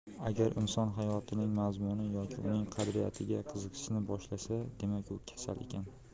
agar inson hayotning mazmuni yoki uning qadriyatiga qiziqishni boshlasa demak u kasal ekan